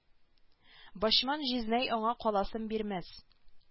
Бачман җизнәй аңа каласын бирмәс